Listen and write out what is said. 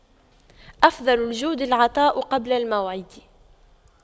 أفضل الجود العطاء قبل الموعد